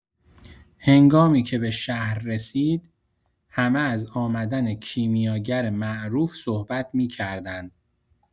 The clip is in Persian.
هنگامی‌که به شهر رسید، همه از آمدن کیمیاگر معروف صحبت می‌کردند.